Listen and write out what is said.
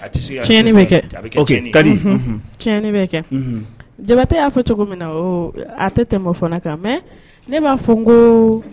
Ɲɛn tiɲɛn bɛ kɛ jabatɛ y'a fɔ cogo min na a tɛ tɛmɛ fana kan mɛ ne b'a fɔ n ko